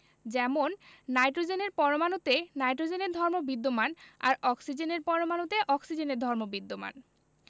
যেমন নাইট্রোজেনের পরমাণুতে নাইট্রোজেনের ধর্ম বিদ্যমান আর অক্সিজেনের পরমাণুতে অক্সিজেনের ধর্ম বিদ্যমান